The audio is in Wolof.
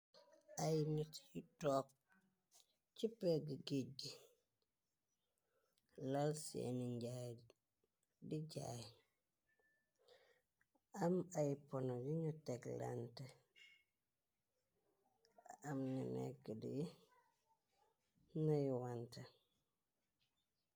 Aiiy nitt yu tok cii pehhgue geudggh gui, lal sehni njhaay dii jaii, am aiiy pohnoh yu nju teglanteh, am nju nekue dii nuyuwanteh.